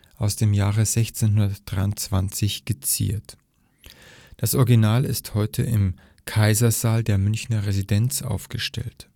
aus dem Jahre 1623 geziert. Das Original ist heute im Kaisersaal der Münchner Residenz aufgestellt